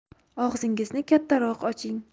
og'zingizni kattaroq oching